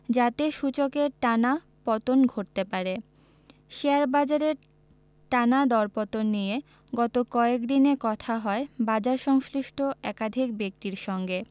যাতে সূচকের টানা পতন ঘটতে পারে শেয়ার বাজারের টানা দরপতন নিয়ে গত কয়েক দিনে কথা হয় বাজারসংশ্লিষ্ট একাধিক ব্যক্তির সঙ্গে